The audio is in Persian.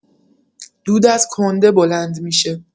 دود از کنده بلند می‌شه